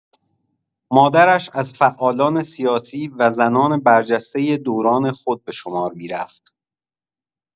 مادرش از فعالان سیاسی و زنان برجسته دوران خود به شمار می‌رفت.